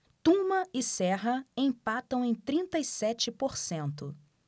tuma e serra empatam em trinta e sete por cento